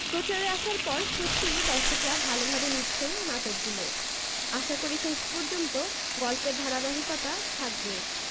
প্রচারে আসার পর সত্যিই দর্শকরা ভালোভাবে নিচ্ছেন নাটকগুলো আশাকরি শেষ পর্যন্ত গল্পের ধারাবাহিকতা থাকবে